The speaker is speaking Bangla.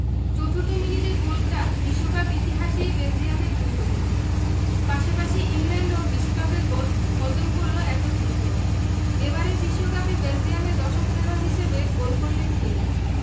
চতুর্থ মিনিটে গোলটা বিশ্বকাপ ইতিহাসেই বেলজিয়ামের দ্রুততম পাশাপাশি ইংল্যান্ডও বিশ্বকাপে গোল হজম করল এত দ্রুত এবারের বিশ্বকাপে বেলজিয়ামের দশম খেলোয়াড় হিসেবে গোল করলেন তিনি